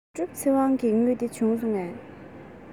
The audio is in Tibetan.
དོན གྲུབ ཚེ རིང གི དངུལ དེ བྱུང སོང ངས